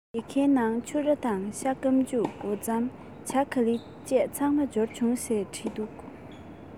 ཡི གེའི ནང ཕྱུར ར དང ཤ སྐམ འོ ཕྱེ